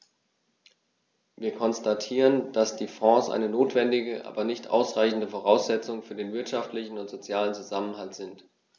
Wir konstatieren, dass die Fonds eine notwendige, aber nicht ausreichende Voraussetzung für den wirtschaftlichen und sozialen Zusammenhalt sind.